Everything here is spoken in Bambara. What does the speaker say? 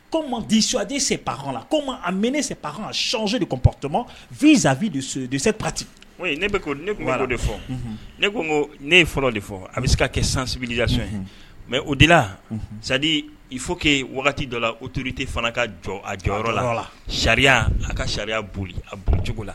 Ko man disu se pala ko a mɛ ne se pa sɔso detomɔ v zaali de sose pati ne ne de fɔ ne ko ne fɔlɔ de fɔ a bɛ se ka kɛ sanbi mɛ o de laali i fo' wagati dɔ la otirite fana ka jɔ a jɔyɔrɔ la sariya a ka sariya boli a cogo la